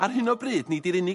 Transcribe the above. Ar hyn o bryd nid yw'r unig...